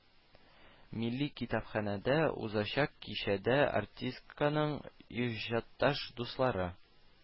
Милли китапханәдә узачак кичәдә артистканың иҗатташ дуслары